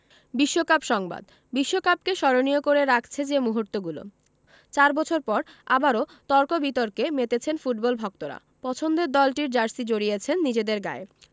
বিশ্বকাপ সংবাদ বিশ্বকাপকে স্মরণীয় করে রাখছে যে মুহূর্তগুলো চার বছর পর আবারও তর্ক বিতর্কে মেতেছেন ফুটবল ভক্তরা পছন্দের দলটির জার্সি জড়িয়েছেন নিজেদের গায়ে